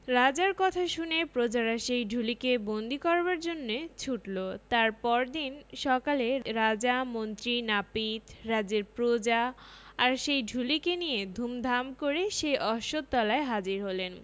রাজার কথা শুনে প্রজারা সেই ঢুলিকে বন্দী করবার জন্যে ছুটল তার পরদিন সকালে রাজা মন্ত্রী নাপিত রাজ্যের প্রজা আর সেই চুলিকে নিয়ে ধুমধাম করে সেই অশ্বত্থতলায় হাজির হলেন